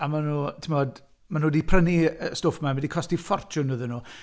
A maen nhw timod, maen nhw' di prynu stwff 'ma, a ma' 'di costi ffortiwn iddyn nhw.